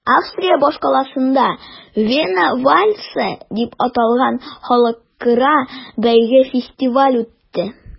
Австрия башкаласында “Вена вальсы” дип аталган халыкара бәйге-фестиваль үтте.